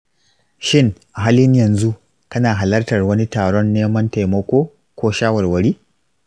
shin a halin yanzu kana halartar wani taron neman taimako ko shawarwari?